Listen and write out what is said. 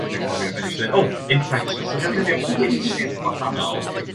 dwi 'di anghofio be' nesh i ddeu o inflections so defnyddio pitches gwahanol